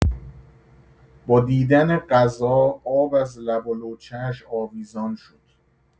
با دیدن غذا آب از لب و لوچه‌اش آویزان شد.